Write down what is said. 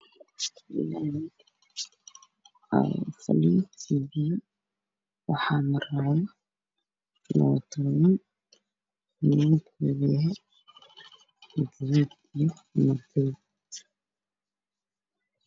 Waa laami biyo ayaa yaalo waa wasaq